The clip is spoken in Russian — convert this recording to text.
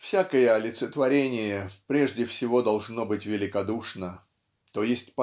всякое олицетворение прежде всего должно быть великодушно, т. -е.